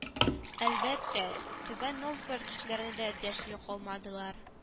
Әлбәттә түбән новгород кешеләре дә дәшми калмадылар